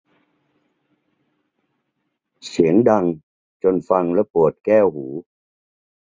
เสียงดังจนฟังแล้วปวดแก้วหู